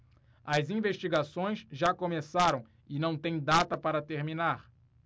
as investigações já começaram e não têm data para terminar